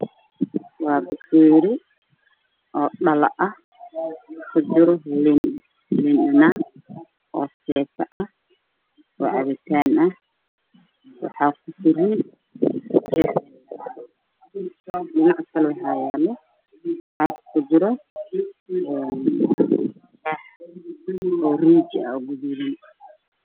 Waa bakeeri dhala ah oo ku jiro liin dhanaan seeko ah cabitaan